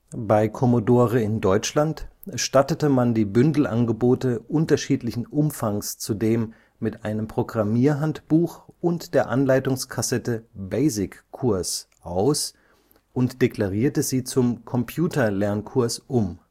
Bei Commodore in Deutschland stattete man die Bündelangebote unterschiedlichen Umfangs zudem mit einem Programmierhandbuch und der Anleitungskassette BASIC-Kurs aus und deklarierte sie zum Computer-Lernkurs um